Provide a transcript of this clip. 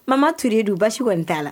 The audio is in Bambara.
Mama ture don basi kɔni nin t'a la